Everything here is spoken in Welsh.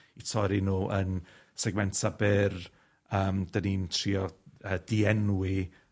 'u torri nw yn segmenta byr, yym 'dan ni'n trio yy dienwi